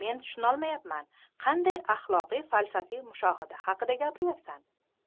men tushunolmayapman qanday axloqiy falsafiy mushohada haqida gapiryapsan